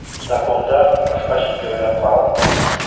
Законда башка чикләүләр каралмаган.